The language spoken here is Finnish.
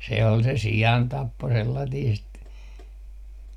se oli se siantappo sellaista